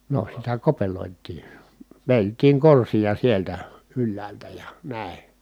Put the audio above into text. no sitä kopeloitiin vedeltiin korsia sieltä ylhäältä ja näin